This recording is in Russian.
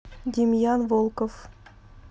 демьян волков